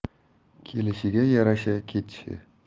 kelishiga yarasha ketishi